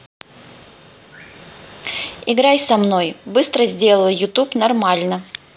играй со мной быстро сделала youtube нормально